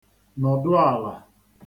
nọ̀dụ àlà